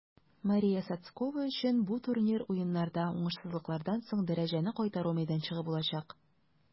Мария Сотскова өчен бу турнир Уеннарда уңышсызлыклардан соң дәрәҗәне кайтару мәйданчыгы булачак.